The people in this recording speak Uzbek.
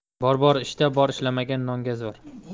bor bor ishda bor ishlamagan nonga zor